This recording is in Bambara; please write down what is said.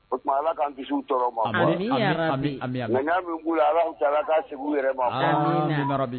O tuma ala k'an kisiw tɔɔrɔ ma. Ami ami. Ŋaniya min b'u la Allahou ta Alaa ka segin u yɛrɛ ma. Ami ami